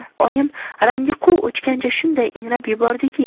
oyimning rangi quv o'chgancha shunday ingrab yubordiki